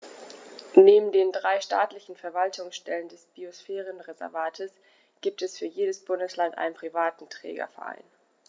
Neben den drei staatlichen Verwaltungsstellen des Biosphärenreservates gibt es für jedes Bundesland einen privaten Trägerverein.